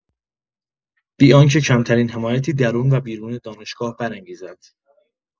بی‌آنکه کمترین حمایتی درون و بیرون دانشگاه برانگیزد.